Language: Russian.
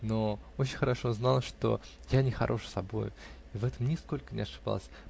но очень хорошо знал, что я нехорош собою, и в этом нисколько не ошибался